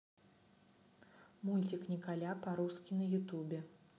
мультик николя по русски на ютубе